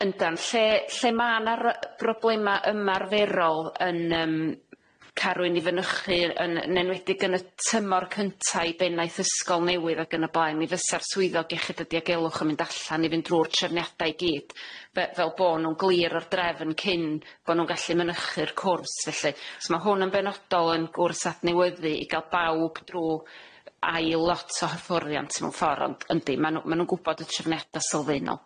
Yndan, lle lle ma' na'r yy broblema ymarferol yn yym carwyn i fynychu yn yn enwedig yn y tymor cynta i benaeth ysgol newydd ag yn y blaen mi fysa'r swyddog iechyd y diogelwch yn mynd allan i fynd drw'r trefniadau i gyd fe- fel bo' nw'n glir o'r drefn cyn bo' nw'n gallu mynychu'r cwrs felly, so ma' hwn yn benodol yn gwrs adnewyddu i ga'l bawb drw' ail lot o hyfforddiant mewn ffor ond yndi ma' nw ma' nw'n gwbod y trefniada sylfaenol.